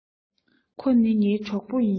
ཁོ ནི ངའི གྲོགས པོ ཡིན